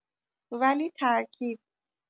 ولی ترکیب